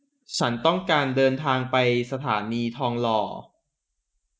ฉันต้องการเดินทางไปสถานีทองหล่อ